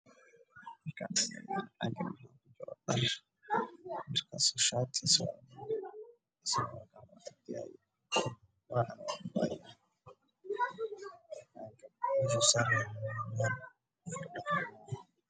Meshan waxaa taagan boombalo dhar ugu jiro surwaal madow iyo shaati qaxwi ah